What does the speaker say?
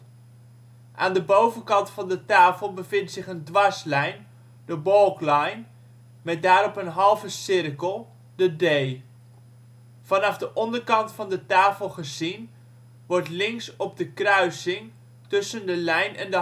Aan de bovenkant van de tafel bevindt zich een dwarslijn (baulk line) met daarop een halve cirkel (de D). Vanaf de onderkant van de tafel gezien wordt links op de kruising tussen de lijn en